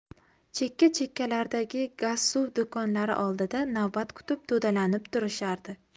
chekka chekkalardagi gazsuv do'konlari oldida navbat kutib to'dalanib turishardi